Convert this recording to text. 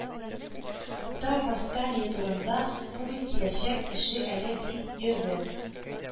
Та восстание турында, бу бит киләчәк эше әле, дип йөрде,